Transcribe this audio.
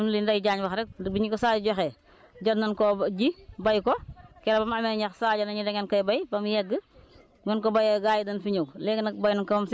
waa toolu ñebe moom li Ndeye Diagne wax rek ñun de bi ñu ko Sadio joxee jot nañ koo ji béy ko keroog bi mu amee ñac Sadio ne ñu dangeen koy béy ba mu yegg bu ngeen ko béyee gaa yi dañ fi ñëw